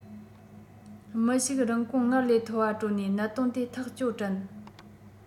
མི ཞིག རིན གོང སྔར ལས མཐོ བ སྤྲོད ནས གནད དོན དེ ཐག གཅོད དྲན